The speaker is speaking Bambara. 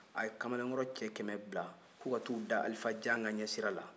a ye kamalenkɔrɔ cɛ kɛmɛ bila ku ka ta u da alifa janka ɲɛ sira la